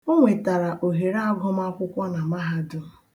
O nwetara ohere agụmakwụkwọ na Mahadum.